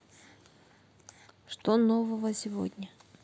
что нового сегодня